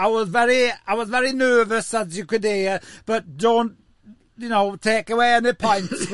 I was very I was very nervous as you could hear, but don't, you know, take away any points from me for that.